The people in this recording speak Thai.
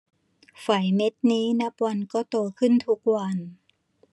ไฝเม็ดนี้นับวันก็โตขึ้นทุกวัน